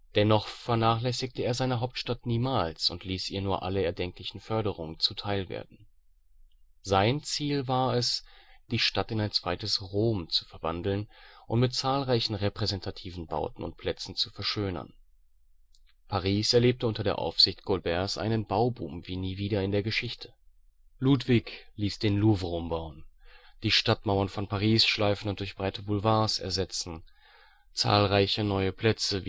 Dennoch vernachlässigte er seine Hauptstadt niemals und ließ ihr alle nur erdenklichen Förderungen zu Teil werden. Sein Ziel war es, die Stadt in ein zweites Rom zu verwandeln und mit zahlreichen repräsentativen Bauten und Plätzen zu verschönern. Paris erlebte unter der Aufsicht Colberts einen Bauboom wie nie wieder in der Geschichte. Ludwig ließ den Louvre umbauen, die Stadtmauern von Paris schleifen und durch breite Boulevards ersetzen, zahlreiche neue Plätze